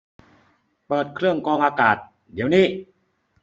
เปิดเครื่องกรองอากาศเดี๋ยวนี้